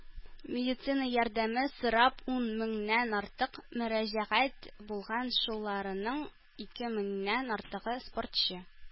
Медицина ярдәме сорап ун меңнән артык мөрәҗәгать булган, шуларның ике меңнән артыгы - спортчы.